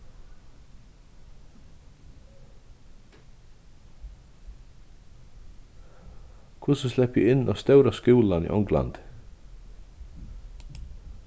hvussu sleppi eg inn á stóra skúlan í onglandi